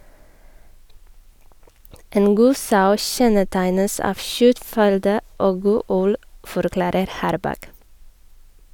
- En god sau kjennetegnes av kjøttfylde og god ull, forklarer Harbakk.